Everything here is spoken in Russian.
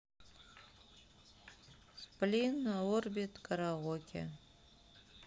сплин орбит караоке